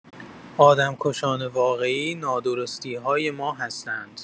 آدم‌کشان واقعی نادرستی‌های ما هستند.